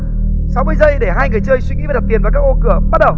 sáu mươi giây để hai người chơi suy nghĩ và đặt tiền vào các ô cửa bắt đầu